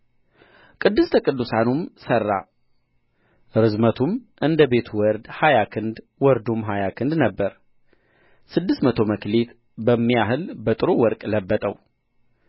ቅድስተ ቅዱሳኑንም ሠራ ርዝመቱም እንደ ቤቱ ወርድ ሀያ ክንድ ወርዱም ሀያ ክንድ ነበረ ስድስት መቶ መክሊት በሚያህል በጥሩ ወርቅ ለበጠው